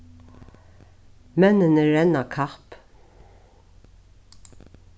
menninir renna kapp